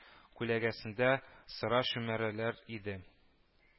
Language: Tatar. Күләгәсендә сыра чүмерәләр иде